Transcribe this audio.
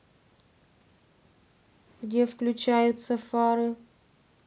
где включаются фары